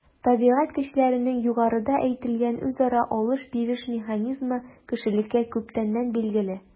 Табигать көчләренең югарыда әйтелгән үзара “алыш-биреш” механизмы кешелеккә күптәннән билгеле.